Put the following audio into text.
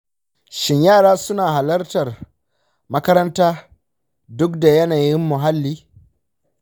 shin yara suna halartar makaranta duk da yanayin muhalli?